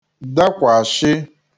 dakwàshị